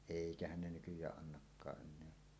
eikähän ne nykyään annakaan enää